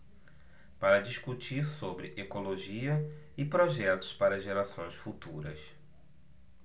para discutir sobre ecologia e projetos para gerações futuras